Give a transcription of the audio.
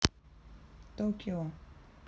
токио